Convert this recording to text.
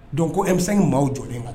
Donc ko M5 maaw jɔlen ŋa